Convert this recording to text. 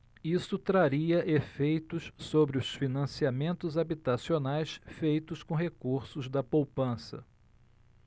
isso traria efeitos sobre os financiamentos habitacionais feitos com recursos da poupança